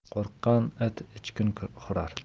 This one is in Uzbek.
qo'rqqan it uch kun hurar